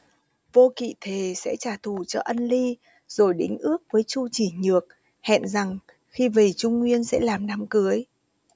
vô kỵ thề sẽ trả thù cho ân ly rồi đính ước với chu chỉ nhược hẹn rằng khi về trung nguyên sẽ làm đám cưới